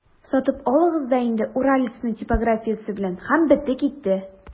Сатып алыгыз да инде «Уралец»ны типографиясе белән, һәм бетте-китте!